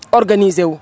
organiser wu